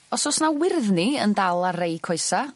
Os o's 'na wyrddni yn dal ar rei coesa